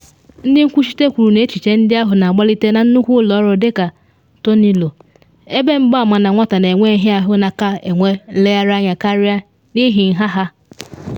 Ndị nkwuchite kwuru na echiche ndị ahụ na agbalite na nnukwu ụlọ dị ka Tornillo, ebe mgbama na nwata na enwe nhịahụ na ka enwe nleghara anya karịa, n’ihi nha ya.